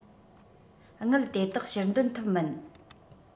དངུལ དེ དག ཕྱིར འདོན ཐུབ མིན